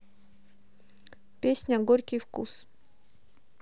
песня горький вкус